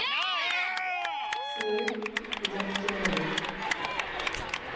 смех да в туалет